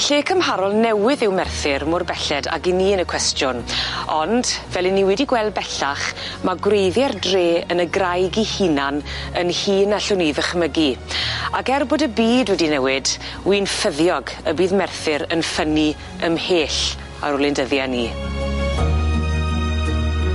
Lle cymharol newydd yw Merthyr mor belled ag 'yn ni yn y cwestiwn ond, fel 'yn ni wedi gweld bellach ma' gwreiddiau'r dre yn y graig 'i hunan yn hŷn na llwn ni ddychmygu ac er bod y byd wedi newid wi'n ffyddiog y bydd Merthyr yn ffynnu ymhell ar ôl ein dyddiau ni.